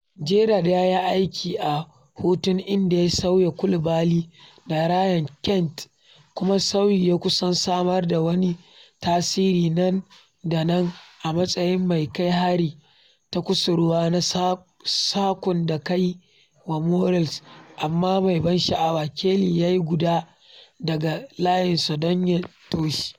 Gerrard ya yi aiki a hutun inda ya sauya Coulibaly da Ryan Kent kuma sauyi ya kusan samar da wani tasirin nan da nan a matsayin mai kai hari ta kusurwa na sakun da ka yi wa Morelos amma mai ban sha’awa Kelly ya yi gudu daga layinsa don ya toshe.